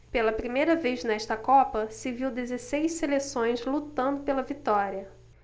pela primeira vez nesta copa se viu dezesseis seleções lutando pela vitória